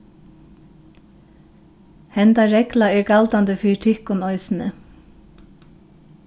henda regla er galdandi fyri tykkum eisini